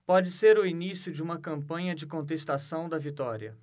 pode ser o início de uma campanha de contestação da vitória